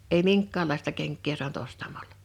ei minkäänlaista kenkää saanut ostamalla